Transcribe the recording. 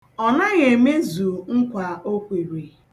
Ọ naghị emezu nkwa okwere.